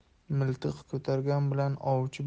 miltiq ko'targan bilan ovchi